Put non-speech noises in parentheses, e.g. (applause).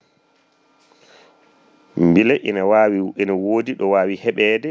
(noise) * bele ina wawi ene wodi ɗo wawi heɓede